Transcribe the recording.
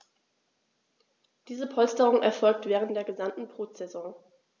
Diese Polsterung erfolgt während der gesamten Brutsaison.